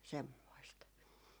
semmoista